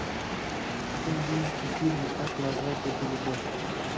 индийский фильм как назвать эту любовь